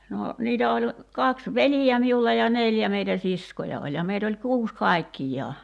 no niitä oli kaksi veljeä minulla ja neljä meitä siskoja oli ja meitä oli kuusi kaikkiaan